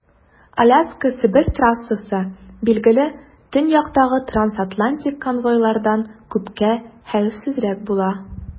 Аляска - Себер трассасы, билгеле, төньяктагы трансатлантик конвойлардан күпкә хәвефсезрәк була.